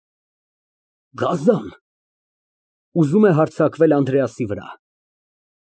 Գազա՞ն։ (Ուզում է հարձակվել Անդրեասի վրա)։